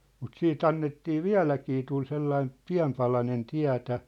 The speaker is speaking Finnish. mutta sitten annettiin vieläkin tuli sellainen pieni palanen tietä